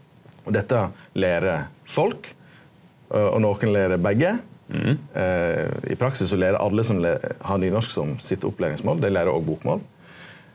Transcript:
og dette lærer folk og nokon lærer begge i praksis so lærer alle som le% har nynorsk som sitt opplæringsmål dei lærer òg bokmål.